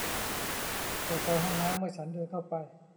เปิดไฟห้องน้ำเมื่อฉันเดินเข้าไป